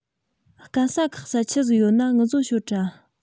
དཀའ ས ཁག ས ཆི ཟིག ཡོད ན ངུ བཟོ ཤོད དྲ